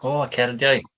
O, y cardiau!